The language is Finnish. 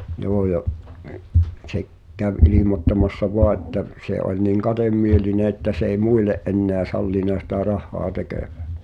joo ja se - kävi ilmoittamassa vain että se oli niin kademielinen että se ei muille enää sallinut sitä rahaa tekevän